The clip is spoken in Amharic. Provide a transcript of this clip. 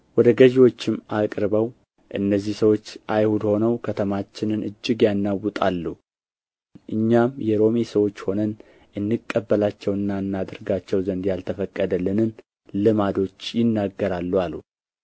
ወደ ገዢዎችም አቅርበው እነዚህ ሰዎች አይሁድ ሆነው ከተማችንን እጅግ ያናውጣሉ እኛም የሮሜ ሰዎች ሆነን እንቀበላቸውና እናደርጋቸው ዘንድ ያልተፈቀደልንን ልማዶች ይናገራሉ አሉ